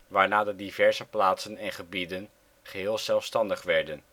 waarna de diverse plaatsen en gebieden geheel zelfstandig werden